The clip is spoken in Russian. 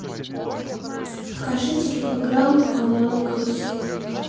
покажи телепрограмму канала карусель